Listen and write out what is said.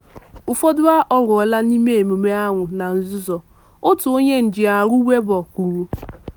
Ụfọdụ ahọrọla ime emume ahụ na nzuzo. Otu onye njiarụ Weibo kwuru: